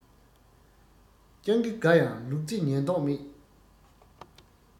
སྤྱང ཀི དགའ ཡང ལུག རྫི ཉན མདོག མེད